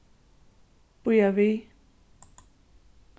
bíða við